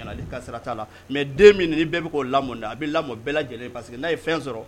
Ale ka sira t'a la mais den min ni bɛɛ bɛ k'o lamɔ a bɛ lamɔ bɛɛ lajɛlen ye parce que n'a ye fɛn sɔrɔ